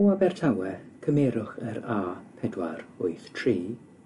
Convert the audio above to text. o Abertawe cymerwch yr a pedwar wyth tri